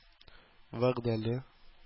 Вәгъдәле